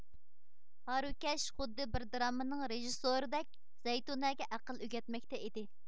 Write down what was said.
ھارۋىكەش خۇددى بىر دراممىنىڭ رېژىسسورىدەك زەيتۇنەگە ئەقىل ئۆگەتمەكتە ئىدى